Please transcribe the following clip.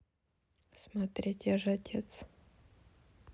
смотреть я ж отец